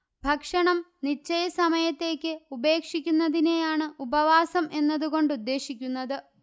ഭക്ഷണം നിശ്ചയസമയത്തേക്ക് ഉപേക്ഷിക്കുന്നതിനെയാണ് ഉപവാസം എന്നതുകൊണ്ടുദ്ദേശിക്കുന്നത്